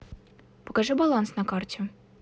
покажи баланс на карте